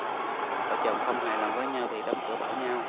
vợ chồng không hài lòng với nhau thì đóng cửa bảo nhau